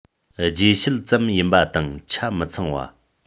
རྗེས ཤུལ ཙམ ཡིན པ དང ཆ མི ཚང བ